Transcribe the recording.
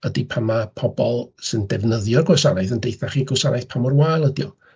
Ydy pan ma pobol sy'n defnyddio'r gwasanaeth yn deutha chi gwasanaeth pa mor wael ydi o.